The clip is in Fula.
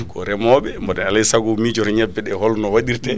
ko reemoɓe kono alay saago mijoto ñebbe ɗe holno wadirte